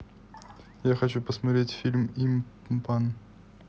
я хочу посмотреть фильм ипман